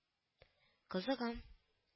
– кызыгам